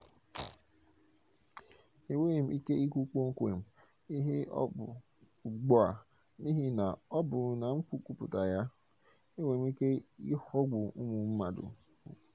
Enweghị m ike ikwu kpọmkwem ihe ọ bụ ugbu a n'ihi na ọ bụrụ na m kwupụta ya, enwere m ike ịghọgbu ụmụ mmadụ.